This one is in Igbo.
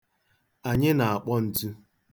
Anyị na-akpọ ntụ.